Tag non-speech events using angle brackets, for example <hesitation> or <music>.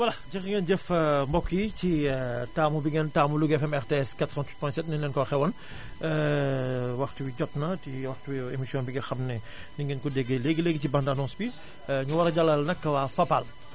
voilà jërë ngeen jëf <hesitation> mbokk yi ci <hesitation> taamu bi ngeen taamu Louga FM RTS 88.7 ni ñu leen ko waxee woon <hesitation> waxtu bi jot na ci waxtu émission bi nga xam ne ni ngeen ko déggee léegi léegi ci bande annonce bi ñu war a dalal nag waa Fapal